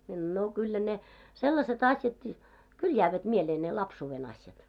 minä sanoin no kyllä ne sellaiset asiatkin kyllä jäävät mieleen ne lapsuuden asiat